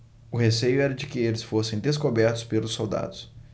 o receio era de que eles fossem descobertos pelos soldados